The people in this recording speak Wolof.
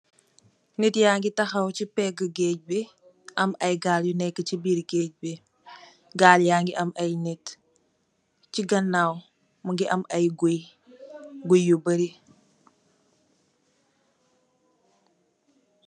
Nit yaa ngi taxaw si péggë geege gi, am ay gaal yu neekë si bir geeg gi, gaal gaa ngi am ay nit. Ci ganaaw, mu ngi am ay guy, guy yu bërri